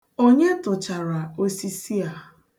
Onye tụchara osisi a?